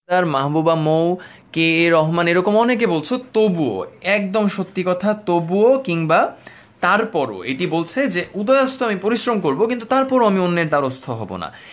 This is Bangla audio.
মাহবুবা মৌ কে রহমান এরকম অনেকে বলছে তবুও একদম সত্যি কথা তবুও কিংবা তার পরও এটি বলছে যে উদয়াস্ত আমি পরিশ্রম করব কিন্তু তারপর আমি অন্যের দ্বারস্থ হবো না